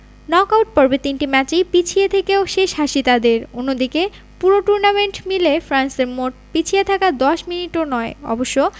knock out পর্বের তিনটি ম্যাচই পিছিয়ে থেকেও শেষ হাসি তাদের অন্যদিকে পুরো টুর্নামেন্ট মিলে ফ্রান্সের মোট পিছিয়ে থাকা ১০ মিনিটও নয় অবশ্য